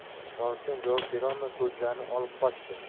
tolibjon javob berolmay ko'zlarini olib qochdi